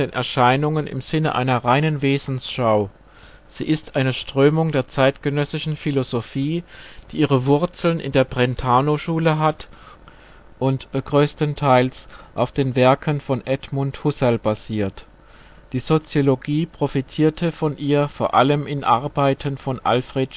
Erscheinungen im Sinne einer reinen Wesensschau. Sie ist eine Strömung der zeitgenössischen Philosophie, die ihre Wurzeln in der Brentanoschule hat und größtenteils auf den Werken von Edmund Husserl basiert. Die Soziologie profitierte von ihr vor allem in Arbeiten von Alfred